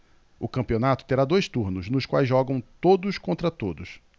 o campeonato terá dois turnos nos quais jogam todos contra todos